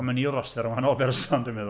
Ond mae Neil Rosser yn wahanol berson dwi'n meddwl.